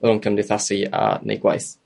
rhwng cymdeithasu a neu gwaith.